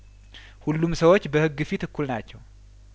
ሁሉም ሰዎች በህግ ፊት እኩል ናቸው